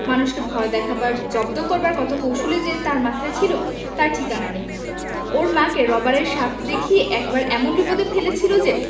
মানুষকে ভয় দেখাবার জব্দ করবার কত কৌশলই যে তার মাথায় ছিল তার ঠিকানা নেই ওর মাকে রবারের সাপ দেখিয়ে একবার এমন বিপদে ফেলেছিল যে